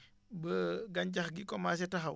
ba gàncax gi commencé taxaw